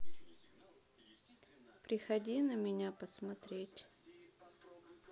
приходи на меня посмотреть